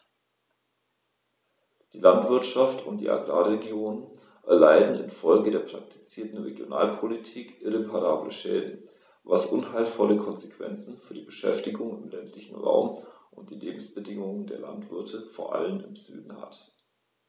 Die Landwirtschaft und die Agrarregionen erleiden infolge der praktizierten Regionalpolitik irreparable Schäden, was unheilvolle Konsequenzen für die Beschäftigung im ländlichen Raum und die Lebensbedingungen der Landwirte vor allem im Süden hat.